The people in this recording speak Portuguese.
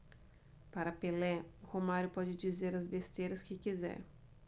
para pelé romário pode dizer as besteiras que quiser